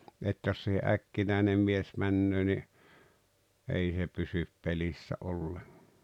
että jos siihen äkkinäinen mies menee niin ei se pysy pelissä ollenkaan